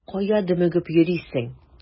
Кая дөмегеп йөрисең?